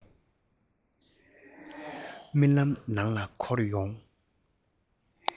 རྨི ལམ ནང ལ འཁོར ཡོང